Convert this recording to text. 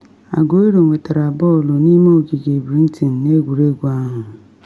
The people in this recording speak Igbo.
Aguero nwetara bọọlụ n’ime ogige Brighton n’egwuregwu ahụ.